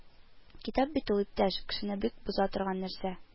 Китап бит ул, иптәш, кешене бик боза торган нәрсә